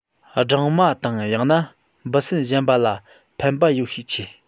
སྦྲང མ དང ཡང ན འབུ སྲིན གཞན པ ལ ཕན པ ཡོད ཤས ཆེ